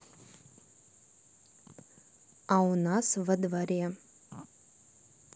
а у нас во дворе